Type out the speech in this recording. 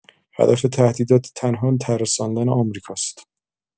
هدف تهدیدات تنها ترساندن آمریکا است.